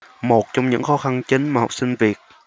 một trong những khó khăn chính mà học sinh việt